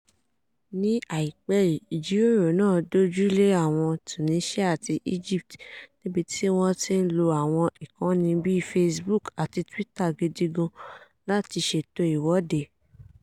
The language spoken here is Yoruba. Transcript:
Ní àìpẹ́ yìí, ìjíròrò náà dójú lé Tunisia àti Egypt, níbi tí wọ́n ti lo àwọn ìkànnì bíi Facebook àti Twitter gidi gan láti ṣètò ìwọ́de.